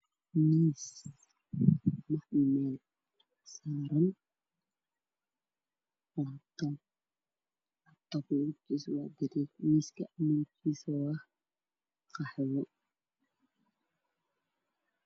Miis maxme miiska midabkiisu waa qakhwe